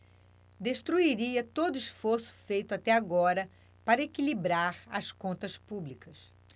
destruiria todo esforço feito até agora para equilibrar as contas públicas